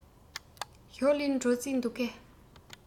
ཞའོ ལིའི འགྲོ རྩིས འདུག གས